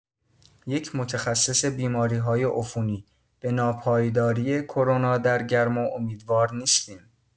یک متخصص بیماری‌های عفونی: به ناپایداری کرونا در گرما امیدوار نیستیم.